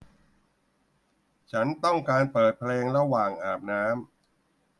ฉันต้องการเปิดเพลงระหว่างอาบน้ำ